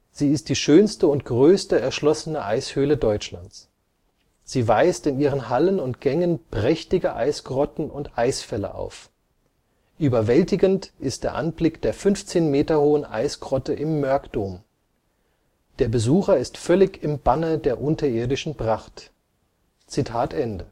Sie ist die schönste und größte erschlossene Eishöhle Deutschlands. Sie weist in ihren Hallen und Gängen prächtige Eisgrotten und Eisfälle auf. Überwältigend ist der Anblick der 15 m hohen Eisgrotte im Mörkdom. Der Besucher ist völlig im Banne der unterirdischen Pracht “– Linzer Tagespost